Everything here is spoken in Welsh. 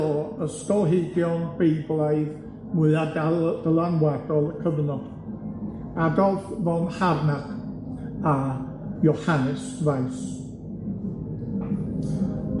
o ysgolheigion Beiblaidd mwya dal- dylanwadol y cyfnod, Adolf von Harnack a Johannes Weiss.